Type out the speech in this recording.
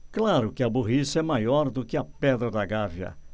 claro que a burrice é maior do que a pedra da gávea